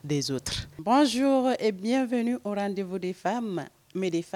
Z bɔnzo biyɛnfɛn ni de de fa ma m de